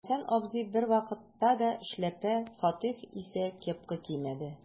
Хәсән абзый бервакытта да эшләпә, Фатих исә кепка кимәде.